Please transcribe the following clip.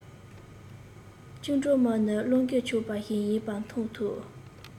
བཅིངས འགྲོལ དམག ནི བློས འགེལ ཆོག པ ཞིག ཡིན པ མཐོང ཐུབ